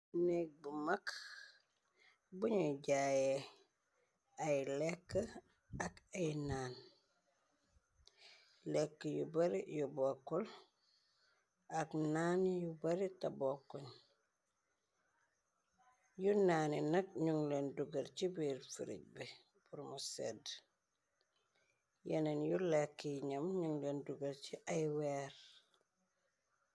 Neek bu mag buñuy jaaye ay lekk ak ay naan lekk yu bari yu bokkul ak naan yu bari ta bokkuñ yu naani nag ñun leen dugal ci biir firij bi pmsed yeneen yu lekk yi ñam ñung leen dugal ci ay weer.